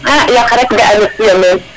a yaq rek de a ndef tuyo men